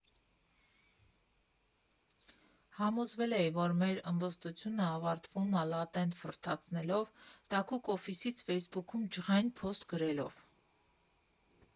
Համոզվել էի, որ մեր ըմբոստությունը ավարտվում ա լատտեն ֆռթացնելով, տաքուկ օֆիսից ֆեյսբուքում ջղային պոստ գրելով։